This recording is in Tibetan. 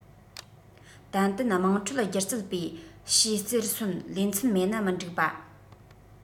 ཏན ཏན དམངས ཁྲོད སྒྱུ རྩལ པའི ཞིའི རྩེར སོན ལེ ཚན མེད ན མི འགྲིག པ